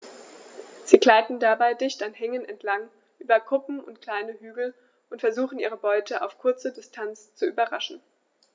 Sie gleiten dabei dicht an Hängen entlang, über Kuppen und kleine Hügel und versuchen ihre Beute auf kurze Distanz zu überraschen.